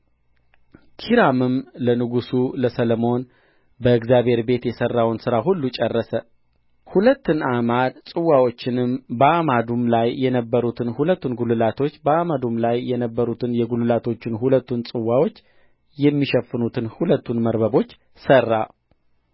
ኪራምም ለንጉሡ ለሰሎሞን በእግዚአብሔር ቤት የሠራውን ሥራ ሁሉ ጨረሰ ሁለቱን አዕማድ ጽዋዎቹንም በአዕማዱም ላይ የነበሩትን ሁለት ጕልላቶች በአዕማዱም ላይ የነበሩትን የጕልላቶች ሁለቱን ጽዋዎች የሚሸፍኑትን ሁለቱን መርበቦች ሠራ